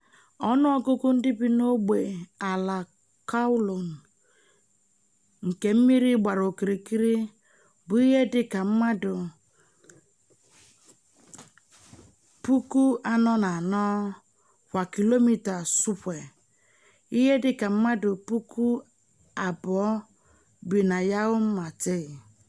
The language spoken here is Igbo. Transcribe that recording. Ọnụọgụgụ ndị bi n'ogbe ala Kowloon nke mmiri gbara okirikiri bụ ihe dị ka mmadụ 44,000 kwa kilomita sụkwe, ihe dị ka mmadụ 20,000 bi na Yau Ma Tei.